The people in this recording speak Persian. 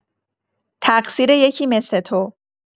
تقصیر یکی مث تو